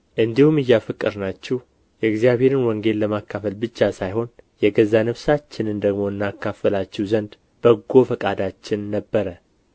እንዲሁም እያፈቀርናችሁ የእግዚአብሔርን ወንጌል ለማካፈል ብቻ ሳይሆን የገዛ ነፍሳችንን ደግሞ እናካፍላችሁ ዘንድ በጎ ፈቃዳችን ነበረ